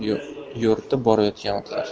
ko'rinib yo'rtib borayotgan otlar